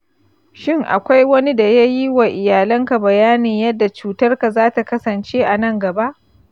shin akwai wani da ya yi wa iyalanka bayanin yadda cutarka za ta kasance a nan gaba?